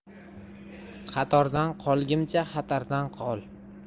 qatordan qolgimcha xatardan qol